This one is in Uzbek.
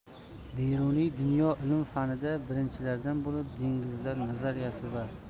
beruniy dunyo ilm fanida birinchilardan bo'lib dengizlar nazariyasi va